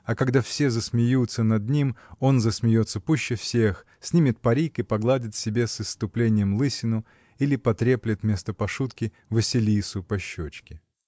А когда все засмеются над ним, он засмеется пуще всех, снимет парик и погладит себе с исступлением лысину или потреплет вместо Пашутки Василису по щечке.